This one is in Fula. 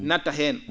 natta heen